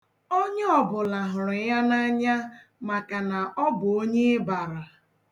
Onye ọbụla hụrụ ya n'anya maka na ọ bụ onye ịbara.